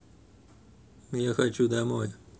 я хочу домой